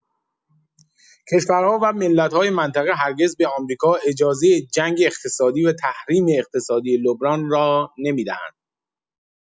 کشورها و ملت‌های منطقه هرگز به آمریکا اجازه جنگ اقتصادی و تحریم اقتصادی لبنان را نمی‌دهند.